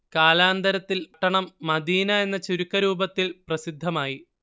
കാലാന്തരത്തിൽ പട്ടണം മദീന എന്ന ചുരുക്കരൂപത്തിൽ പ്രസിദ്ധമായി